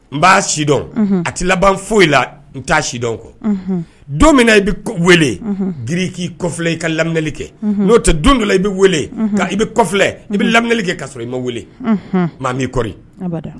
N b'a sidɔn a tɛ laban foyi la n taa sidɔn kɔ don min i bɛ weele di k'i kɔfilɛ i ka lamli kɛ n'o tɛ don dɔ i bɛ weele i bɛ kɔfilɛ i bɛ lamli kɛ ka sɔrɔ i ma welemi i kɔɔri